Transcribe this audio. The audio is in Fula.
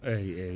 eyyi eyyi